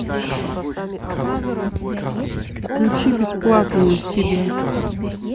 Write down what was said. включи бесплатную себя